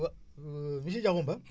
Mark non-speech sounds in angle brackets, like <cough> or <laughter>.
wa <hesitation> monsieur Diakhoumpa